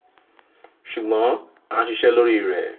Ṣùgbọ́n a ń ṣiṣẹ́ lórí rẹ̀.